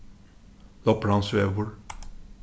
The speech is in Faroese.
lopransvegur